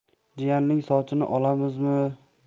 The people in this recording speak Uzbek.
jiyanning sochini olamizmi